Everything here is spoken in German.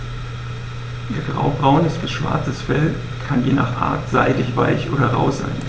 Ihr graubraunes bis schwarzes Fell kann je nach Art seidig-weich oder rau sein.